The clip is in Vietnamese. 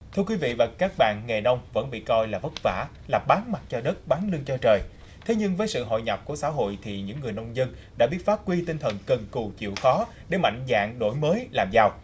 thưa quý vị và các bạn nghề nông vẫn bị coi là vất vả lập bán mặt cho đất bán lưng cho trời thế nhưng với sự hội nhập của xã hội thì những người nông dân đã biết phát huy tinh thần cần cù chịu khó để mạnh dạn đổi mới làm giàu